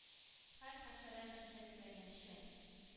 Һәр хәшәрәт җирдә теләгәнчә